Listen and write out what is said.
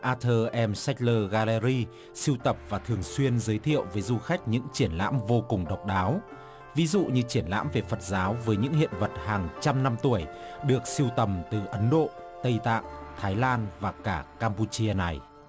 ác thơ em sách lơ ga lơ ry sưu tập và thường xuyên giới thiệu với du khách những triển lãm vô cùng độc đáo ví dụ như triển lãm về phật giáo với những hiện vật hàng trăm năm tuổi được sưu tầm từ ấn độ tây tạng thái lan và cả cam pu chia này